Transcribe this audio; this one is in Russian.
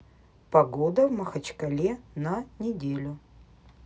погода в махачкале на неделю